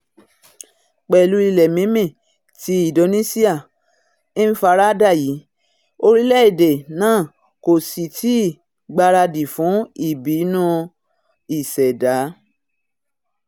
Pẹ̀lú ilẹ̀ mímí tí Indonesia ń faradà yii, orílẹ̀-èdè náà kò sì tíì gbaradì fún ìbínú ìṣẹ̀dá.